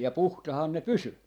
ja puhtaana ne pysyi